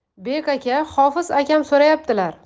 bek aka hofiz akam so'rayaptilar